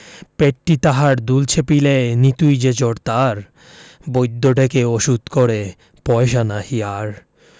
পেটটি তাহার দুলছে পিলেয় নিতুই যে জ্বর তার বৈদ্য ডেকে ওষুধ করে পয়সা নাহি আর